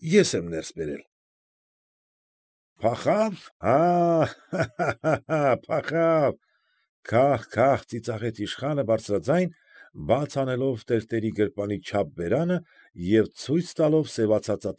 Ես եմ ներս բերել։ ֊ Փախավ, հա՛֊հա՛֊հա՛, փախավ,֊ քահ֊քահ ծիծաղեց իշխանը բարձրաձայն, բաց անելով տերտերի գրպանի չափ բերանը և ցույց տալով սևացած։